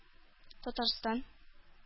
Татарстан